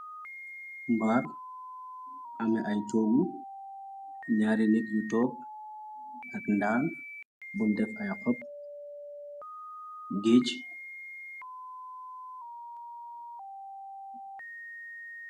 Mbaar ame ay toogu naari nik yu topp ak ndaal bun def ay xop géej.